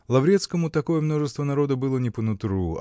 Лаврецкому такое множество народа было не по нутру